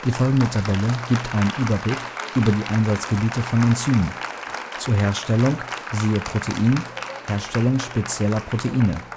folgende Tabelle gibt einen Überblick über die Einsatzgebiete von Enzymen. Zur Herstellung siehe Protein#Herstellung spezieller Proteine